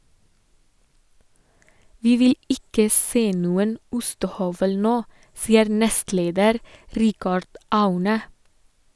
- Vi vil ikke se noen ostehøvel nå, sier nestleder Richard Aune.